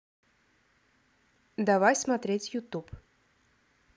давай смотреть ютуб